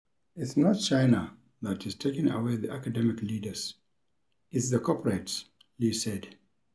"It's not China that is taking away the academic leaders; it's the corporates," Lee said.